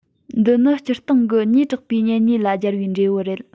འདི ནི སྤྱིར བཏང གི ཉེ དྲགས པའི གཉེན ཉེ ལ སྦྱར བའི འབྲས བུ རེད